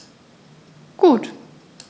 Gut.